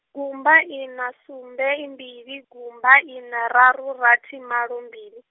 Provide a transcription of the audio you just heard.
gumba ina sumbe mbili gumba ina raru rathi malo mbili.